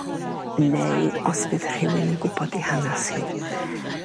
neu os fydd rhywun yn gwbod 'i hanas hi.